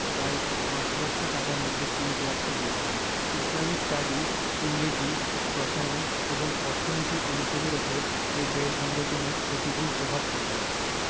পাঁচ লক্ষ টাকার মধ্যে সীমিত রাখতে বলেছেন ইসলামিক স্টাডিজ ইংরেজি রসায়ন এবং অর্থনীতি অনুষদের ওপর এ ব্যয় সংকোচনের প্রতিকূল প্রভাব পড়বে